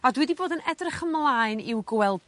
a dwi 'di bod yn edrych ymlaen i'w gweld